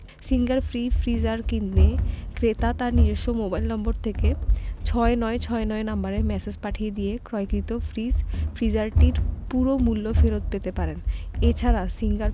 singer fridge freezer কিনে ক্রেতা তার নিজস্ব মোবাইল নম্বর থেকে ৬৯৬৯ নম্বরে ম্যাসেজ পাঠিয়ে দিয়ে ক্রয়কৃত ফ্রিজ/ফ্রিজারটির পুরো মূল্য ফেরত পেতে পারেন এ ছাড়া সিঙ্গার